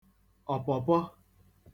ọ̀pọpọ